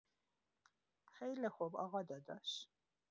خیلی خب آقا داداش.